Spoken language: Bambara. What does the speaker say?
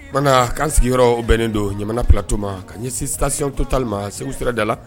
O tuma k'an sigiyɔrɔ bɛnnen don ɲamana ptoma ka ɲɛ sisansi to tali ma segu sira da la